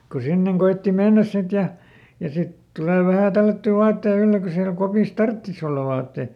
kun sinne koetti mennä sitten ja ja sitten tulee vähän tällättyä vaatteita ylle kun siellä kopissa tarvitsisi olla vaatteita